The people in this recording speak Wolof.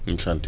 ñu ngi sant